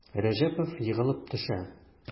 Рәҗәпов егылып төшә.